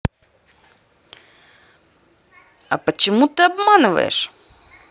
а почему ты обманываешь